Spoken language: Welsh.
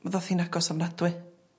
Mi ddoth hi'n agos ofnadwy.